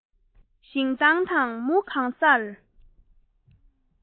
ཞིང ཐང དང མུ གང སར